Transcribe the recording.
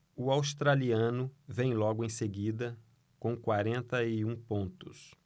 o australiano vem logo em seguida com quarenta e um pontos